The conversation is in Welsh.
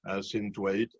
yy sy'n dweud